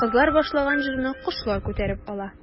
Кызлар башлаган җырны кошлар күтәреп ала.